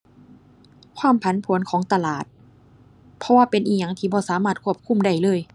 ความผันผวนของตลาด เพราะว่าเป็นอิหยังที่บ่สามารถควบคุมได้เลย